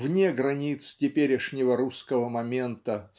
вне границ теперешнего русского момента